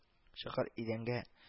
Чокыр идәнгә